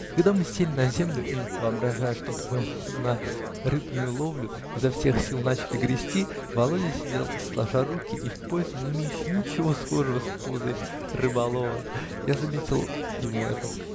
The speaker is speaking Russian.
Когда мы сели на землю и, воображая, что плывем на рыбную ловлю, изо всех сил начали грести, Володя сидел сложа руки и в позе, не имеющей ничего схожего с позой рыболова. Я заметил ему это